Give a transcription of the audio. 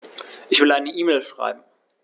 Ich will eine E-Mail schreiben.